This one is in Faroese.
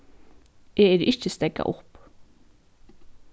eg eri ikki steðgað upp